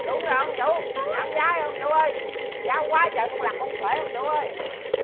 đúng rồi ông chủ giảm giá đi ông chủ ơi giá quá trời con lặt không xuể ông chủ ơi